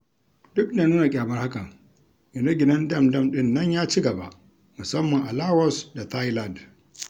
Duk da nuna ƙyamar hakan, gine-ginen dam-dam ɗin nan ya ci gaba, musamman a Laos da Thailand.